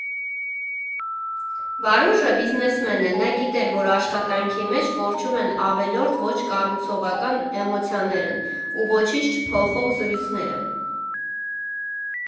Վարուժը բիզնեսմեն է, նա գիտեր, որ աշխատանքի մեջ կորչում են ավելորդ, ոչ կառուցողական էմոցիաներն ու ոչինչ չփոխող զրույցները։